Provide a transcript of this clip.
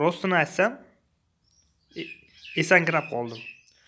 rostini aytsam esankirab qoldim